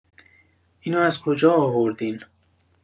اینو از کجا آوردین